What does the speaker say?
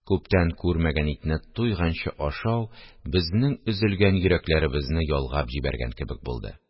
Күптән күрмәгән итне туйганчы ашау безнең өзелгән йөрәкләребезне ялгап җибәргән кебек булды